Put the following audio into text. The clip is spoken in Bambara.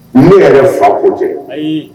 Ne yɛrɛ fako cɛ